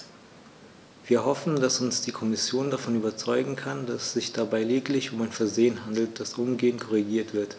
Wir hoffen, dass uns die Kommission davon überzeugen kann, dass es sich dabei lediglich um ein Versehen handelt, das umgehend korrigiert wird.